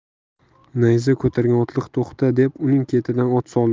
nayza ko'targan otliq to'xta deb uning ketidan ot soldi